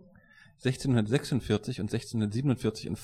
1646 und 1647 in Frankfurt